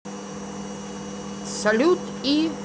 salut и